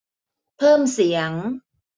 เพิ่มเสียง